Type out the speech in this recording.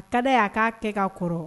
Ka da ye a ka kɛ ka kɔrɔ.